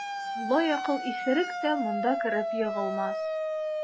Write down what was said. Лаякыл исерек тә монда кереп егылмас.